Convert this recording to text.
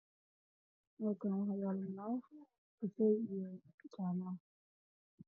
Waxaa ii muuqda hilib karsan oo ah hilib xoolo oo lug ah